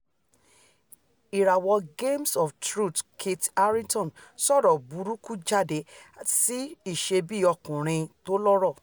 Ìràwọ Games of Thrones Kit Harrington sọ̀rọ̀ burúku jáde sí ìṣebí-ọkùnrin tólóró